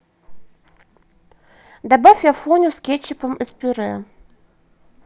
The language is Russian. добавь афоню с кетчупом из пюре